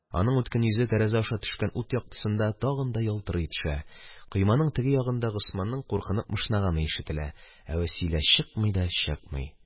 Ның үткен йөзе тәрәзә аша төшкән ут яктысында тагын да ялтырый төшә, койманың теге ягында госманның куркынып мышнаганы ишетелә, ә вәсилә чыкмый да чыкмый